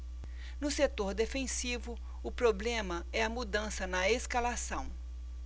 no setor defensivo o problema é a mudança na escalação